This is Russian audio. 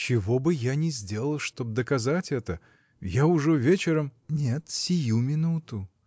— Чего бы я не сделал, чтобы доказать это! Я ужо вечером. — Нет, сию минуту.